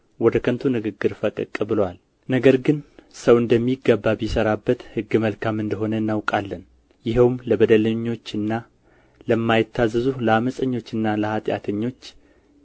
ወደ ከንቱ ንግግር ፈቀቅ ብለዋል ነገር ግን ሰው እንደሚገባ ቢሰራበት ሕግ መልካም እንደ ሆነ እናውቃለን ይኸውም ለበደለኞችና ለማይታዘዙ ለዓመጸኞችና ለኃጢአተኞች